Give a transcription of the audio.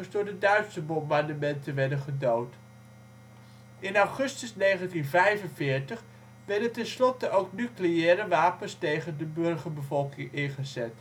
Duitse bombardementen werden gedood. In augustus 1945 werden tenslotte ook nucleaire wapens tegen de burgerbevolking ingezet